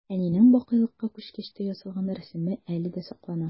Әнинең бакыйлыкка күчкәч тә ясалган рәсеме әле дә саклана.